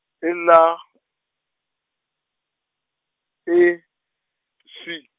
i la , I, si.